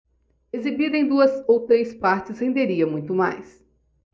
exibida em duas ou três partes renderia muito mais